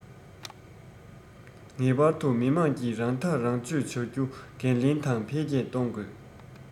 ངེས པར དུ མི དམངས ཀྱིས རང ཐག རང གཅོད བྱ རྒྱུ འགན ལེན དང འཕེལ རྒྱས གཏོང དགོས